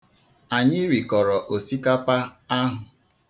Anyị rikọrọ osikapa ahụ.